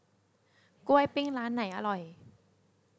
กล้วยปิ้งร้านไหนอร่อย